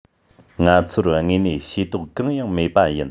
ང ཚོར དངོས གནས ཤེས རྟོགས གང ཡང མེད པ ཡིན